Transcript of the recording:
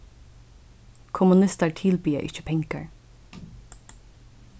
kommunistar tilbiðja ikki pengar